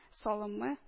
Салымы